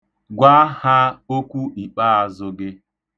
Gwa ha okwu ikpeazụ gị.